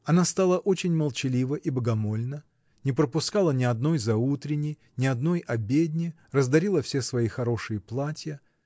Она стала очень молчалива и богомольна, не пропускала ни одной заутрени, ни одной обедни, раздарила все свои хорошие платья.